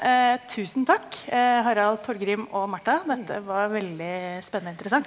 tusen takk Harald, Torgrim og Marta, dette var veldig spennende og interessant.